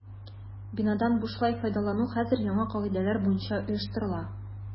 Бинадан бушлай файдалану хәзер яңа кагыйдәләр буенча оештырыла.